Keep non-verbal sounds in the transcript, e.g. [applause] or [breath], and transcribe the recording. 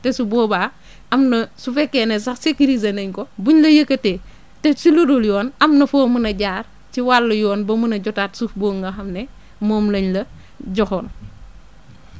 te su boobaa [breath] am na su fekkee ne sax sécuriser nañ ko bu ñu la yëkkatee te su lu dul yoon am na foo mën a jaar ci wàllu yoon ba mën a jotaat suuf boobu nga xam ne moom lañ la joxoon